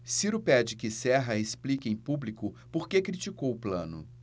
ciro pede que serra explique em público por que criticou plano